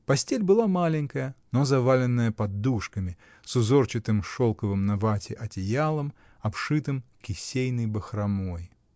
Постель была маленькая, но заваленная подушками, с узорчатым шелковым на вате одеялом, обшитым кисейной бахромой.